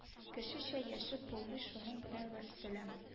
Кешечә яшәп булмый - шуның белән вәссәлам